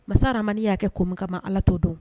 Masaramani y'a kɛ kom kamama ala tɔ don